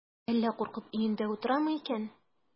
Әллә куркып өендә утырамы икән?